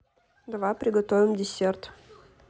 давай приготовим десерт